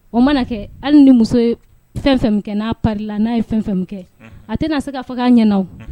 O mana kɛ hali ni muso ye fɛn fɛn kɛ n'a n'a ye fɛn fɛn kɛ a tɛna se ka faga ɲɛnaana